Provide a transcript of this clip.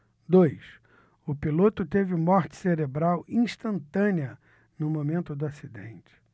dois o piloto teve morte cerebral instantânea no momento do acidente